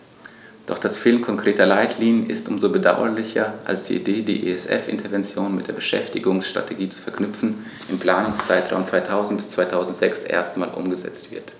Doch das Fehlen konkreter Leitlinien ist um so bedauerlicher, als die Idee, die ESF-Interventionen mit der Beschäftigungsstrategie zu verknüpfen, im Planungszeitraum 2000-2006 erstmals umgesetzt wird.